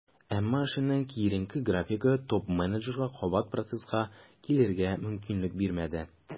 Әмма эшенең киеренке графигы топ-менеджерга кабат процесска килергә мөмкинлек бирмәде.